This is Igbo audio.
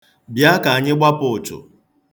Bịa ka anyị gbapụ ụchụ.